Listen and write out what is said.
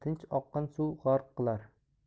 tinch oqqan suv g'arq qilar